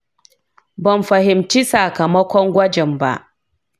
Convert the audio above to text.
ban fahimci sakamakon gwajin ba.